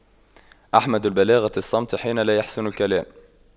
أحمد البلاغة الصمت حين لا يَحْسُنُ الكلام